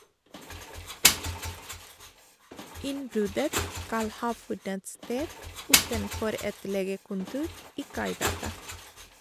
Innbruddet skal ha funnet sted utenfor et legekontor i Kaigata.